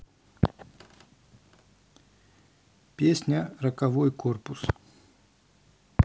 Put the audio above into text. песня роковой корпус